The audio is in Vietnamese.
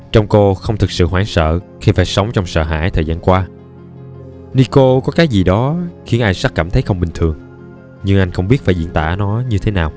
trông cô không thực sự hoảng sợ khi phải sống trong sợ hãi thời gian qua nicole có cái gì đó khiến isaac cảm thấy không bình thường nhưng anh không biết phải diễn tả nó như thế nào